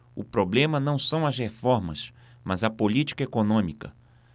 o problema não são as reformas mas a política econômica